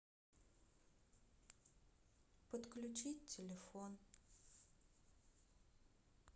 подключить телефон